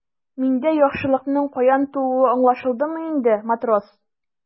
Миндә яхшылыкның каян тууы аңлашылдымы инде, матрос?